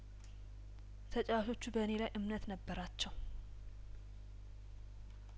ተጨዋቾቹ በእኔ ላይ እምነት ነበራቸው